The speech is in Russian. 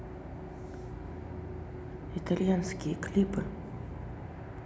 итальянские клипы